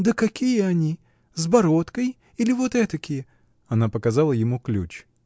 — Да какие они: с бородкой или вот этакие?. Она показала ему ключ.